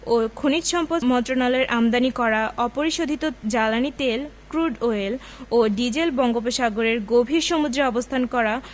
ও খনিজ সম্পদ মন্ত্রণালয়ের আমদানি করা অপরিশোধিত জ্বালানি তেল ক্রুড অয়েল ও ডিজেল বঙ্গোপসাগরের গভীর সমুদ্রে অবস্থান করা